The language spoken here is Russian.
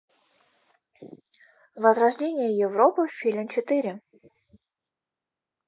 возрождение европы в filin четыре